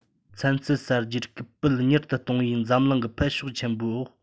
ཚན རྩལ གསར བརྗེར སྐུལ སྤེལ མྱུར ཏུ གཏོང བའི འཛམ གླིང གི འཕེལ ཕྱོགས ཆེན པོའི འོག